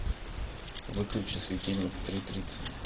выключи светильник в три тридцать